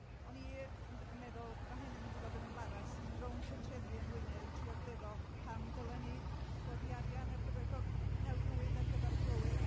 O'n yn meddwl ma' hyn yn mynd i fod yn embaras mynd rownd pentrefi yng Ngwynedd yn trio egluro pam dylen ni godi arian ar gyfer go- g- hel bwyd ar gyfer y glowyr.